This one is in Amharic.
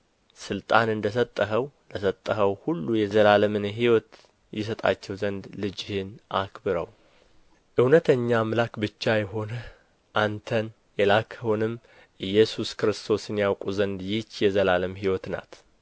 ሥልጣን እንደ ሰጠኸው ለሰጠኸው ሁሉ የዘላለምን ሕይወት ይሰጣቸው ዘንድ ልጅህን አክብረው እውነተኛ አምላክ ብቻ የሆንህ አንተን የላክኸውንም ኢየሱስ ክርስቶስን ያውቁ ዘንድ ይህች የዘላለም ሕይወት ናት